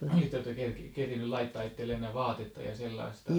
olitteko te kerinnyt laittaa itsellenne vaatetta ja sellaista